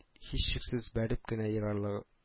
Һичшиксез бәреп кенә егарлы